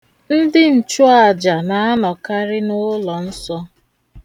Ndị nchụaja na-anọkari n'ụlọ nsọ.